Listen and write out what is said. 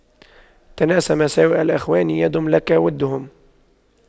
تناس مساوئ الإخوان يدم لك وُدُّهُمْ